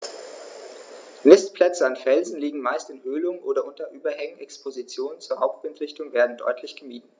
Nistplätze an Felsen liegen meist in Höhlungen oder unter Überhängen, Expositionen zur Hauptwindrichtung werden deutlich gemieden.